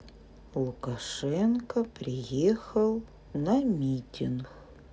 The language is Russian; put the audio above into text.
лукашенко приехал на митинг